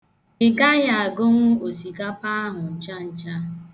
Ị gaghị agụnwu osikapa ahụ ncha ncha.